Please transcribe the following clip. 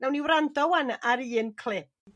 Nawn ni wrando 'wan ar un clip.